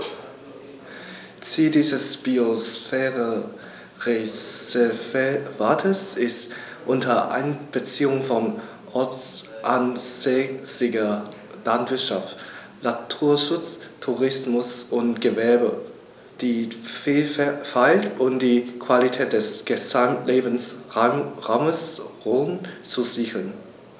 Ziel dieses Biosphärenreservates ist, unter Einbeziehung von ortsansässiger Landwirtschaft, Naturschutz, Tourismus und Gewerbe die Vielfalt und die Qualität des Gesamtlebensraumes Rhön zu sichern.